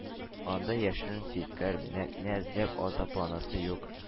Анда яшерен фикер, мәгънә эзләп азапланасы юк.